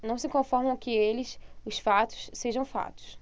não se conformam que eles os fatos sejam fatos